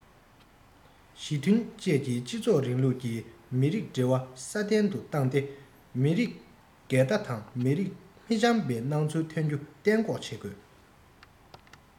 ཞི མཐུན བཅས ཀྱི སྤྱི ཚོགས རིང ལུགས ཀྱི མི རིགས འབྲེལ བ སྲ བརྟན དུ བཏང སྟེ མི རིགས འགལ ཟླ དང མི རིགས མི འཆམ པའི སྣང ཚུལ ཐོན རྒྱུ གཏན འགོག བྱེད དགོས